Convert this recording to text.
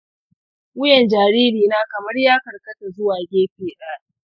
wuyan jaririna kamar ya karkata zuwa gefe ɗaya.